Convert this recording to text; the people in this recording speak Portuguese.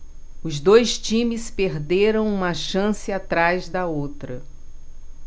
os dois times perderam uma chance atrás da outra